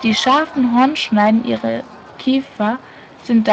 scharfen Hornschneiden ihres Kiefers sind